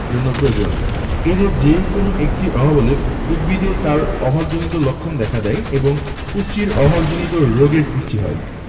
জন্য প্রয়োজন এদের যেকোনো একটির অভাব হলে উদ্ভিদে তার অভাবজনিত লক্ষণ দেখা দেয় এবং পুষ্টির অভাবজনিত রোগের সৃষ্টি হয়